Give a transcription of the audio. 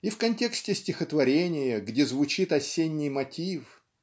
И в контексте стихотворения, где звучит осенний мотив